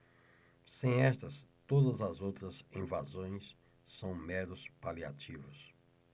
sem estas todas as outras invasões são meros paliativos